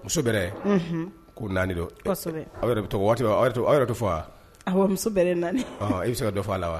Muso bɛ ko naani dɔn waati aw yɛrɛ to fɔ wa muso bɛ naani i bɛ se ka dɔ fɔ a la wa